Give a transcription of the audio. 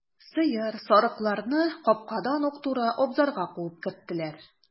Сыер, сарыкларны капкадан ук туры абзарга куып керттеләр.